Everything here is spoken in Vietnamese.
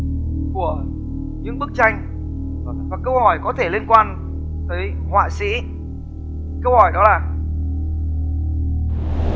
của những bức tranh và câu hỏi có thể liên quan tới họa sĩ câu hỏi đó là